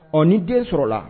O ni den sɔrɔla la